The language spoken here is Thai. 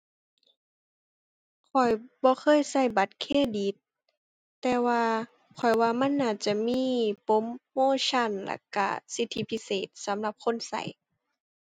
ข้อยบ่เคยใช้บัตรเครดิต แต่ว่าข้อยว่ามันน่าจะมีโปรโมชันแล้วใช้สิทธิพิเศษสำหรับคนใช้